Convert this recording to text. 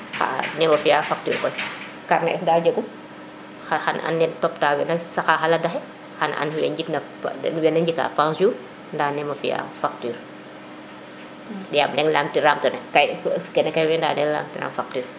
xa a nemo fiya facture koy carnet es daal jegum xan an nem top ta wene saq na xa lada xe xano an wo njik na wena njika par jour nda nemo fiya facture yam o leŋ lam tiram oten kene ke woy nda o leŋ lam tiram facture